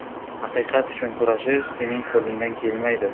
haqiqat uchun kurashish sening qo'lingdan kelmaydi